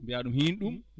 mbiyaa ɗum hiin ɗum